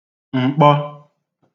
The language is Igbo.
m̀kpọ